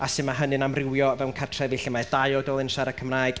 a sut ma' hynny'n amrywio fewn cartrefi lle ma' dau oedolyn siarad Cymraeg,